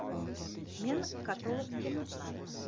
men katolik emasman